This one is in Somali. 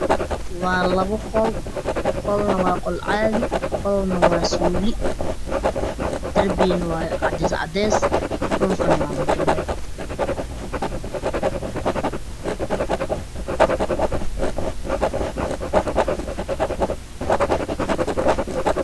Waa labo qol mid waa qol caadi ah midna waa suuli, darbiga waa cadeys, dhulkana waa mutuleel.